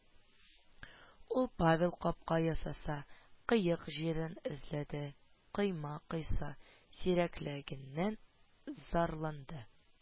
Ул, Павел капка ясаса, кыек җирен эзләде, койма койса, сирәклегеннән зарланды